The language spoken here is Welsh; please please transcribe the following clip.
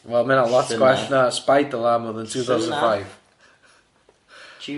Wel ma' hynna lot gwell na spider lamb oedd yn two thousand and five. Llynadd.